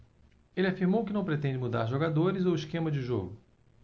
ele afirmou que não pretende mudar jogadores ou esquema de jogo